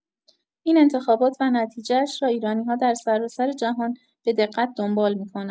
این انتخابات و نتیجه‌اش را ایرانی‌‌ها در سراسر جهان به‌دقت دنبال می‌کنند.